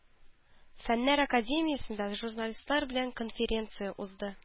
Фәннәр академиясендә журналистлар белән конференция узды.